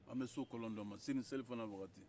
an bɛ s'o kɔlɔn dɔ ma sinin selifana wagati